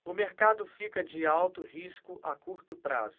o mercado fica de alto risco a curto prazo